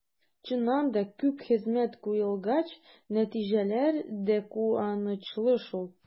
Чыннан да, күп хезмәт куелгач, нәтиҗәләр дә куанычлы шул.